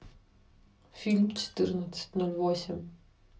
фильм четырнадцать ноль восемь